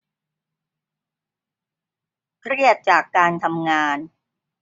เครียดจากการทำงาน